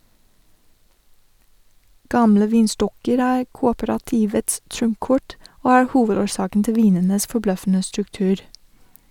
Gamle vinstokker er kooperativets trumfkort, og er hovedårsaken til vinenes forbløffende struktur.